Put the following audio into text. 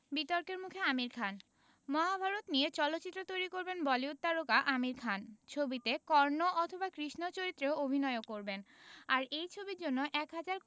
বিতর্কের মুখে আমির খান মহাভারত নিয়ে চলচ্চিত্র তৈরি করবেন বলিউড তারকা আমির খান ছবিতে কর্ণ অথবা কৃষ্ণ চরিত্রে অভিনয়ও করবেন আর এই ছবির জন্য এক হাজার